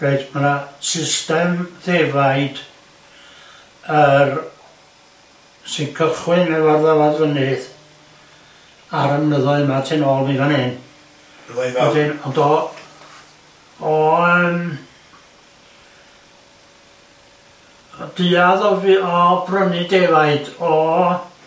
Reit ma' ‘na system ddefaid yr sy'n cychwyn efo'r ddafad fynydd ar y mynyddoedd 'ma u nôl i fan 'yn wedyn ond o o yym o duad o fu- o brynu defaid o